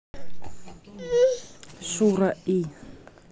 шура и